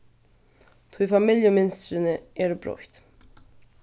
tí familjumynstrini eru broytt